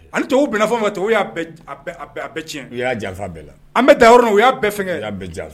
Ani to bɛfɔ ma to y'a a bɛɛ tiɲɛ u y'a jan bɛɛ la an bɛ da yɔrɔr u y'a bɛɛ fɛ' bɛɛ ja la